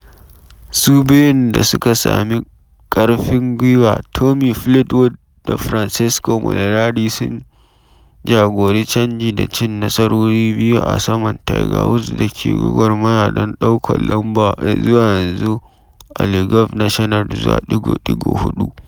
Su biyun da suka sami ƙarfin gwiwa Tommy Fleetwood da Francesco Molinari sun jagori canji da cin nasarori biyu a saman Tiger Woods da ke gwagwarmaya don ɗaukan lamba ya zuwa yanzu a Le Golf National zuwa ɗigo-ɗigo huɗu.